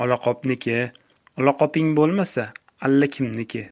olaqopniki olaqoping bo'lmasa allakimniki